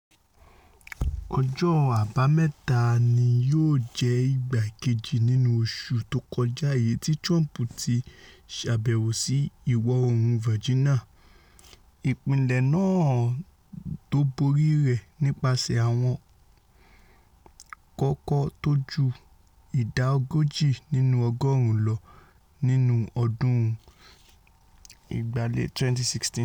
Ọjọ́ Àbámẹ́ta ni yóò jẹ́ ìgbà kejì nínú oṣù tókọjá èyití Trump ti ṣàbẹ̀wò sí Ìwọ-oòrùn Virginia, ìpínlẹ̀ náà tó borì rẹ̀ nípaṣẹ̀ àwọn kókó tóju ìdá ogójì nínú ọgọ́ọ̀rún lọ nínú ọdún 2016.